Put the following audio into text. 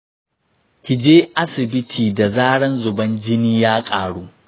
ki je asibiti da zaran zuban jini ya ƙaru.